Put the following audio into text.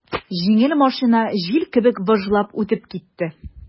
Җиңел машина җил кебек выжлап үтеп китте.